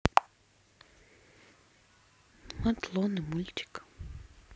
атлоны мультик